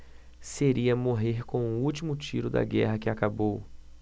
seria morrer com o último tiro da guerra que acabou